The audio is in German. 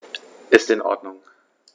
Ist in Ordnung.